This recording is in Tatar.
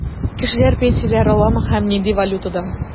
Кешеләр пенсияләр аламы һәм нинди валютада?